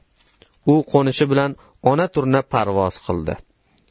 u qo'nishi bilan ona turna parvoz qildi